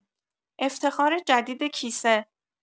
افتخار جدید کیسه